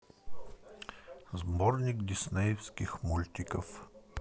сборник диснеевских мультиков